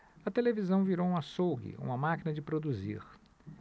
a televisão virou um açougue uma máquina de produzir